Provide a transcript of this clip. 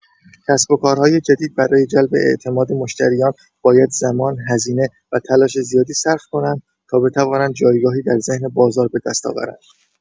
کسب‌وکارهای جدید برای جلب اعتماد مشتریان باید زمان، هزینه و تلاش زیادی صرف کنند تا بتوانند جایگاهی در ذهن بازار به دست آورند.